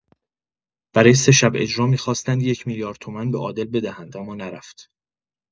برای سه شب اجرا می‌خواستند یک میلیارد تومن به عادل بدهند اما نرفت!